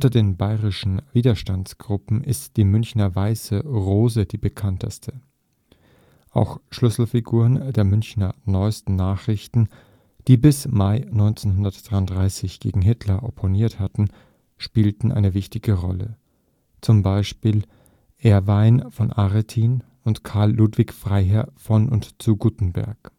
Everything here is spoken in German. den bayerischen Widerstandsgruppen ist die Münchner Weiße Rose die bekannteste. Auch Schlüsselfiguren der Münchner Neuesten Nachrichten, die bis Mai 1933 gegen Hitler opponiert hatten, spielten eine wichtige Rolle: z. B. Erwein von Aretin und Karl Ludwig Freiherr von und zu Guttenberg